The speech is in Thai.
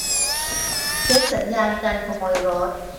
เช็คสัญญาณกันขโมยรถ